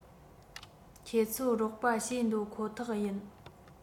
ཁྱེད ཚོ རོགས པ བྱེད འདོད ཁོ ཐག ཡིན